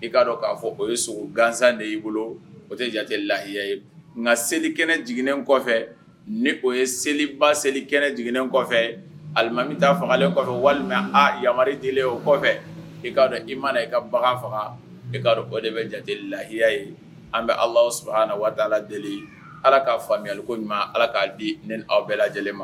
I k'a dɔn ka fɔ o ye sogo gansan de y'i bolo o tɛ ja la iya ye nka selikɛnɛ jignen ni o ye seliba selikɛnɛ jignen kɔfɛ alimami taa fangalen kɔfɛ walima a yamari di o kɔfɛ i kaa dɔn i mana i ka bagan faga e ka de bɛ jaelilahiya ye an bɛ ala su wada deli ala ka faamuyayako ɲuman ala k'a di ni aw bɛɛ lajɛlen ma